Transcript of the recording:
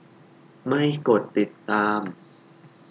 ไม่กดติดตาม